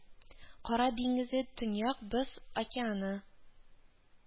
Кара диңгезе, Төньяк Боз океаны